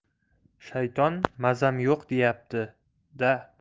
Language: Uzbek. shayton mazam yo'q deyapti da